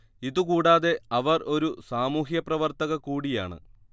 ഇതുകൂടാതെ അവർ ഒരു സാമൂഹ്യപ്രവർത്തക കൂടിയാണ്